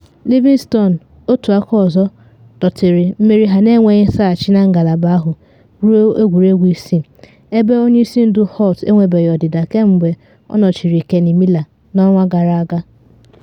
Livingston, otu aka ọzọ, dọtịrị mmeri ha na enweghị nsaghachi na ngalaba ahụ ruo egwuregwu isii, ebe onye isi ndu Holt enwebeghị ọdịda kemgbe ọ nọchiri Kenny Miller n’ọnwa gara aga.